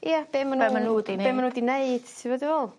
Ie be' ma' n'w... Be' ma' nhw 'di neud. ...be' ma' n'w 'di neud t' 'bod dwi feddwl?